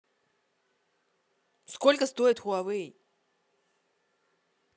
сколько стоит хуавей